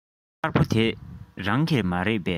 དཀར པོ འདི རང གི མ རེད པས